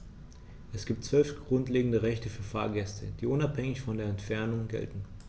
Es gibt 12 grundlegende Rechte für Fahrgäste, die unabhängig von der Entfernung gelten.